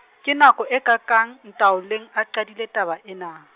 ke nako e kaakang, Ntaoleng a qadile taba ena?